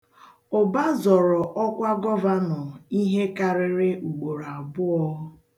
Ụba zọrọ ọkwa gọvanọ ihe karịrị ugboro abụọ.